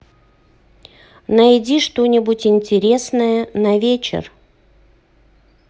найди что нибудь интересное на вечер